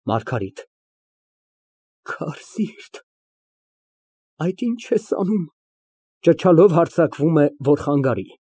ՄԱՐԳԱՐԻՏ ֊ Քարսիրտ, այդ ինչ ես անում։ (Ճչալով հարձակվում է, որ խանգարի)։